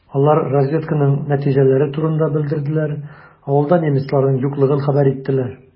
Алар разведканың нәтиҗәләре турында белдерделәр, авылда немецларның юклыгын хәбәр иттеләр.